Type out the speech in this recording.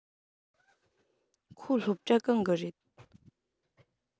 ཁོ སློབ གྲྭ གང གི རེད